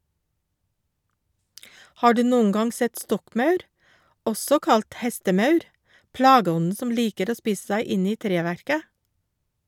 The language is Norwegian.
Har du noen gang sett stokkmaur, også kalt hestemaur, plageånden som liker å spise seg inn i treverket?